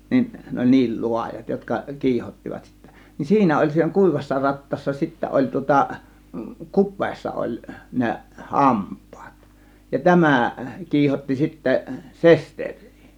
niin ne oli niin laajat jotka kiihottivat sitten niin siinä oli siinä kuivassa rattaassa sitten oli tuota kupeessa oli ne hampaat ja tämä kiihotti sitten sesteriä